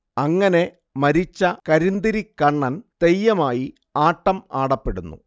അങ്ങനെ മരിച്ച കരിന്തിരി കണ്ണൻ തെയ്യമായി ആട്ടം ആടപ്പെടുന്നു